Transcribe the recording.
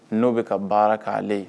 N'o bɛ ka baara k'ale